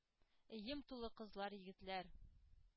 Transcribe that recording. Өем тулы кызлар, егетләр,